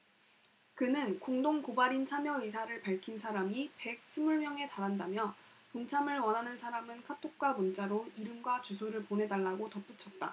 그는 공동 고발인 참여 의사를 밝힌 사람이 백 스물 명에 달한다며 동참을 원하는 사람은 카톡과 문자로 이름과 주소를 보내달라고 덧붙였다